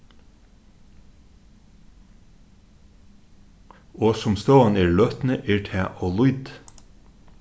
og sum støðan er í løtuni er tað ov lítið